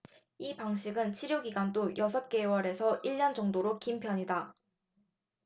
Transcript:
이 방식은 치료 기간도 여섯 개월 에서 일 년 정도로 긴 편이다